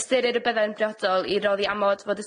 Ystyrir y bydde'n briodol i roddi amod fod y tai'n